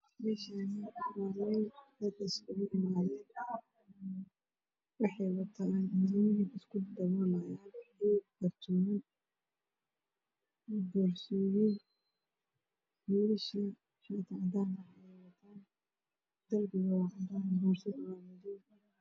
Meeshaani waa meel dad isku imaaday waxay wataan wiilasha shaar cadaan darbiga cadaan guduud